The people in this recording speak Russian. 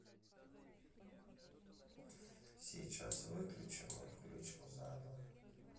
сейчас выключим и включим заново